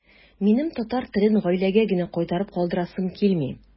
Минем татар телен гаиләгә генә кайтарып калдырасым килми.